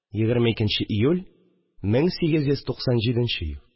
22 нче июль, 1897 ел